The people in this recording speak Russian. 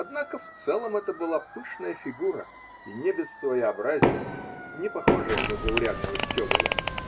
однако, в целом это была пышная фигура и не без своеобразия, непохожая на заурядного щеголя.